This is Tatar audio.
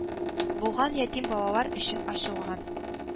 Булган ятим балалар өчен ачылган